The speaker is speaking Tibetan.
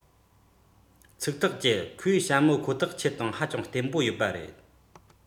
ཚིག ཐག བཅད ཁོས ཞྭ མོ ཁོ ཐག ཁྱེད དང ཧ ཅང བརྟན པོ ཡོད པ རེད